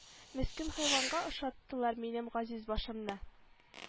Мескен хайванга охшаттылар минем газиз башымны